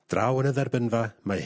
Draw yn y dderbynfa mae...